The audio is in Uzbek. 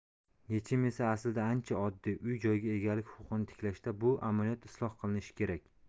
yechim esa aslida ancha oddiy uy joyga egalik huquqini tiklashda bu amaliyot isloh qilinishi kerak